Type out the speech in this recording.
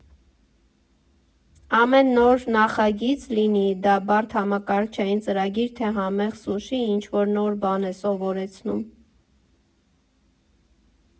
Ամեն նոր նախագիծ, լինի դա բարդ համակարգչային ծրագիր թե համեղ սուշի, ինչ֊որ նոր բան է սովորեցնում։